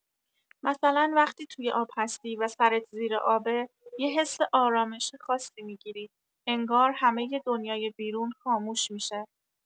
مثلا وقتی توی آب هستی و سرت زیر آبه، یه حس آرامش خاصی می‌گیری، انگار همه دنیای بیرون خاموش می‌شه.